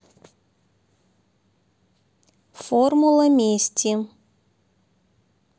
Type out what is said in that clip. формула мести